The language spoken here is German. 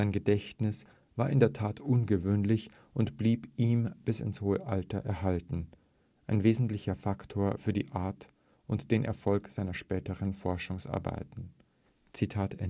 Gedächtnis war in der Tat ungewöhnlich und blieb ihm bis ins Alter erhalten - ein wesentlicher Faktor für die Art und den Erfolg seiner späteren Forschungsarbeiten. “Mit